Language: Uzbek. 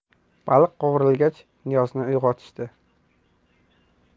baliq qovurilgach niyozni uyg'otishdi